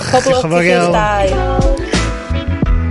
chycgwch cy Forge lai